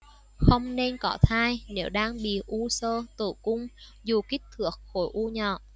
không nên có thai nếu đang bị u xơ tử cung dù kích thước khối u nhỏ